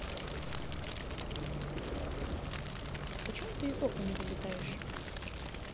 почему ты из okko вылетаешь